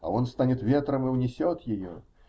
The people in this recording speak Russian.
-- А он станет ветром, и унесет ее.